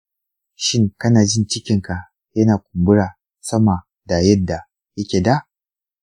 shin kana jin cikinka ya kumbura sama da yadda yake da?